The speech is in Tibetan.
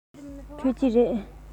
ཟ ཀི རེད